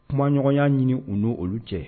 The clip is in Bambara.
Kumaɲɔgɔnya ɲini u n' olu cɛ